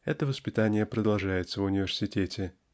Это воспитание продолжается в университете.